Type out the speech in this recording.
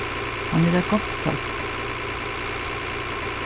hann er eitt gott fólk